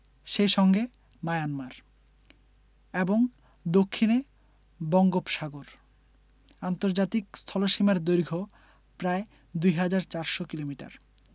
সেই সঙ্গে মায়ানমার এবং দক্ষিণে বঙ্গোপসাগর আন্তর্জাতিক স্থলসীমার দৈর্ঘ্য প্রায় ২হাজার ৪০০ কিলোমিটার